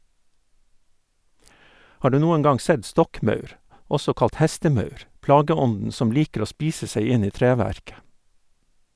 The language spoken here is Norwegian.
Har du noen gang sett stokkmaur, også kalt hestemaur, plageånden som liker å spise seg inn i treverket?